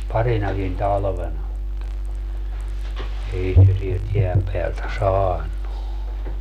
parinakin talvena mutta ei se sieltä jään päältä saanut